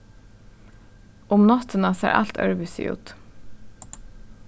um náttina sær alt øðrvísi út